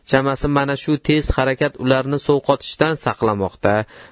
chamasi mana shu tez harakat ularni sovqotishdan saqlamoqda